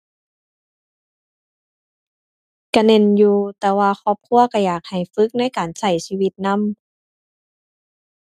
ก็เน้นอยู่ แต่ว่าครอบครัวก็อยากให้ฝึกในการใช้ชีวิตนำ